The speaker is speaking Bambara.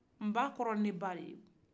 nba kɔrɔ ye ne ba de ye o